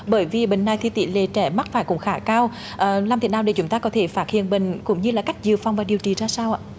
bởi vì bệnh này thì tỷ lệ trẻ mắc phải cũng khá cao làm thế nào để chúng ta có thể phát hiện bệnh cũng như là cách dự phòng và điều trị ra sao ạ